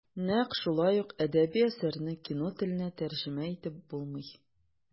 Нәкъ шулай ук әдәби әсәрне кино теленә тәрҗемә итеп булмый.